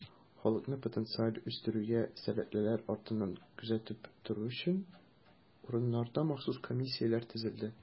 Халыкны потенциаль үстерүгә сәләтлеләр артыннан күзәтеп тору өчен, урыннарда махсус комиссияләр төзелде.